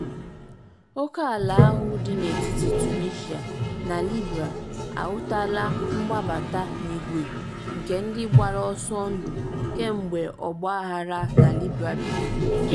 Ókèala ahụ dị n'etiti Tunisia na Libya ahụtala mgbabata n'ìgwè nke ndị gbara ọsọndụ kemgbe ọgba aghara na Libya bidoro.